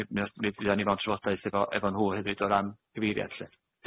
mi mi nath mi fuo ni mewn trafodaeth efo efo nhw hefyd o ran cyfeiriad 'lly.